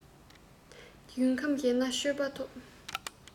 ཡུལ ཁམས གཞན ན མཆོད པ ཐོབ